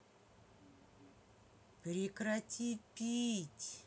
прекрати пить